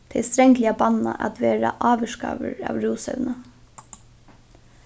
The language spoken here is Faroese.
tað er strangliga bannað at vera ávirkaður av rúsevni